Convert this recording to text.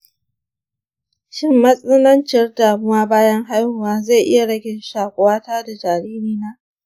shin matsananciyar damuwa bayan haihuwa zai iya rage shakuwata da jaririna?